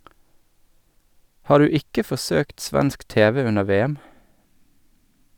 Har du ikke forsøkt svensk TV under VM?